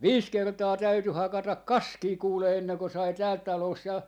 viisi kertaa täytyi hakata kaskea kuule ennen kuin sai täältä talossa ja